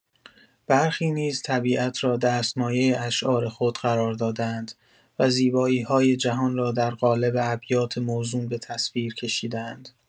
برخی نیز طبیعت را دستمایه اشعار خود قرار داده‌اند و زیبایی‌های جهان را در قالب ابیات موزون به تصویر کشیده‌اند.